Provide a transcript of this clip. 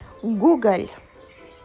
гуголь